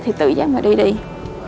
thì tự giác mà đi